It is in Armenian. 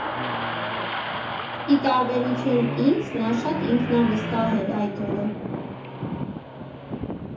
Ի տարբերություն ինձ՝ նա շատ ինքնավստահ էր այդ օրը։